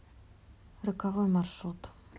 роковой маршрут